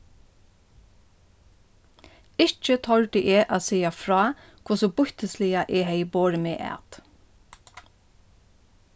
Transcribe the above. ikki tordi eg at siga frá hvussu býttisliga eg hevði borið meg at